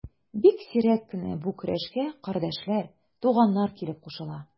Бик сирәк кенә бу көрәшкә кардәшләр, туганнар килеп кушыла.